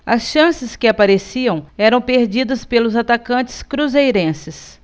as chances que apareciam eram perdidas pelos atacantes cruzeirenses